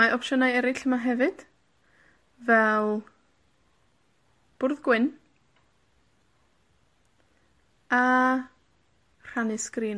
Mae opsiynau eryll yma hefyd. Fel, bwrdd gwyn, a, rhannu sgrin.